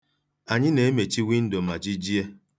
Anyị na-emechi windo ma chi jie.